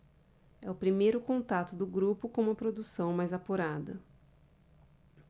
é o primeiro contato do grupo com uma produção mais apurada